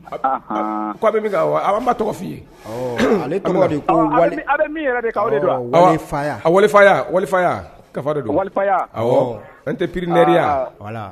Aw ma tɔgɔ fɔ n tɛ priɛya